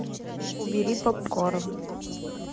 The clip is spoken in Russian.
убери попкорн